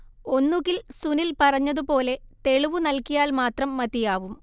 ഒന്നുകില്‍ സുനില്‍ പറഞ്ഞതുപോലെ തെളിവു നല്‍കിയാല്‍ മാത്രം മതിയാവും